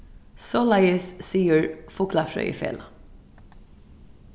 soleiðis sigur fuglafrøðifelag